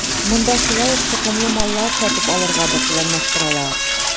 Монда шулай ук токымлы маллар сатып алырга да планлаштыралар.